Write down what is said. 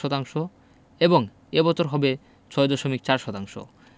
শতাংশ এবং এ বছর হবে ৬.৪ শতাংশ